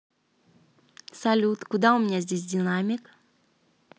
салют куда у меня здесь динамик